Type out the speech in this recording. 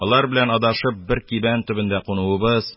Алар белән адашып, бер кибән төбендә кунуыбыз,